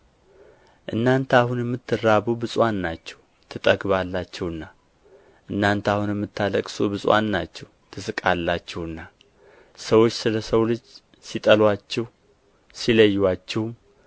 እናንተ አሁን የምትራቡ ብፁዓን ናችሁ ትጠግባላችሁና እናንተ አሁን የምታለቅሱ ብፁዓን ናችሁ ትስቃላችሁና ሰዎች ስለ ሰው ልጅ ሲጠሉአችሁ ሲለዩአችሁም